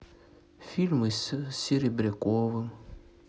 фильмы с серебряковым